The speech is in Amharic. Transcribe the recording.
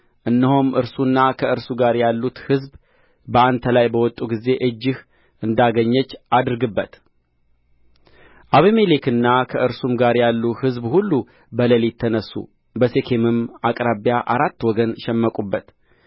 እነሆም እርሱና ከእርሱ ጋር ያሉት ሕዝብ በአንተ ላይ በወጡ ጊዜ እጅህ እንዳገኘች አድርግበት አቤሜሌክና ከእርሱም ጋር ያሉ ሕዝብ ሁሉ በሌሊት ተነሡ በሴኬምም አቅራቢያ በአራት ወገን ሸመቁበት